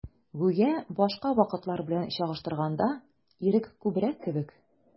Гүя башка вакытлар белән чагыштырганда, ирек күбрәк кебек.